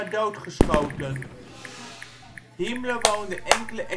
doodgeschoten. Himmler woonde enkele